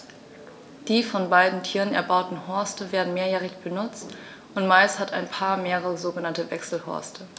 Die von beiden Tieren erbauten Horste werden mehrjährig benutzt, und meist hat ein Paar mehrere sogenannte Wechselhorste.